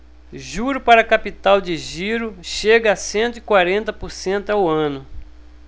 juro para capital de giro chega a cento e quarenta por cento ao ano